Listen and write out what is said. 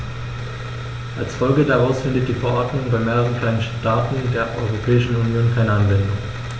Als Folge daraus findet die Verordnung bei mehreren kleinen Staaten der Europäischen Union keine Anwendung.